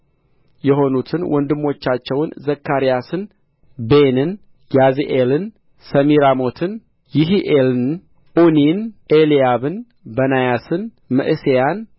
የሆኑትን ወንድሞቻቸውን ዘካርያስን ቤንን ያዝኤልን ሰሚራሞትን ይሒኤልን ዑኒን ኤልያብን በናያስን መዕሤያን